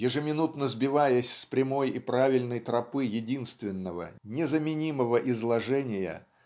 Ежеминутно сбиваясь с прямой и правильной тропы единственного незаменимого изложения